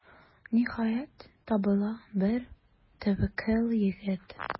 Ниһаять, табыла бер тәвәккәл егет.